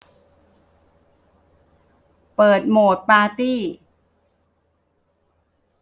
เปิดโหมดปาร์ตี้